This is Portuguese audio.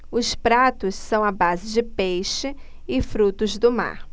os pratos são à base de peixe e frutos do mar